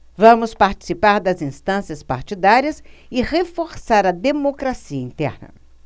vamos participar das instâncias partidárias e reforçar a democracia interna